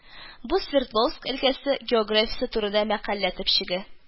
Бу Свердловск өлкәсе географиясе турында мәкалә төпчеге